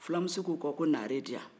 ffilamuso ko ko naare di yan